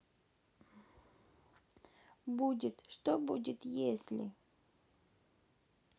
будет что будет если